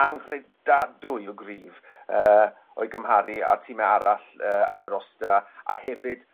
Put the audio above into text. anghredadwy o gryf yy o'i gymharu a'r time arall yy ar y rostar a hefyd